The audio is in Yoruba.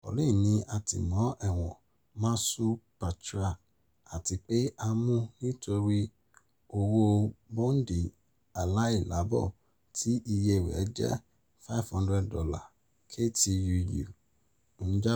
Palin ni a tìmọ́ èwọ̀n Mat-Su Pretrial àti pé a mu nítorí owó bọndi aílàlábọ̀ tií iye rẹ̀ jẹ́ $500, KTUU ń jábọ̀